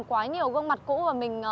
có quá nhiều gương mặt cũ và mình